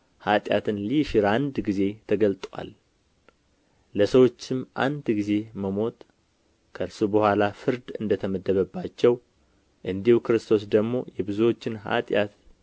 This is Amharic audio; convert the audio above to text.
ኃጢአትን ሊሽር አንድ ጊዜ ተገልጦአል ለሰዎችም አንድ ጊዜ መሞት ከእርሱ በኋላም ፍርድ እንደ ተመደበባቸው እንዲሁ ክርስቶስ ደግሞ የብዙዎችን ኃጢአት